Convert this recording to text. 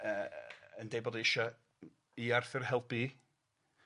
Yy yn deud bod o eisia i Arthur helpu.